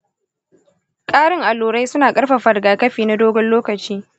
ƙarin allurai suna ƙarfafa rigakafi na dogon lokaci.